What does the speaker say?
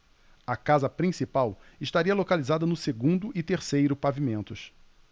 a casa principal estaria localizada no segundo e terceiro pavimentos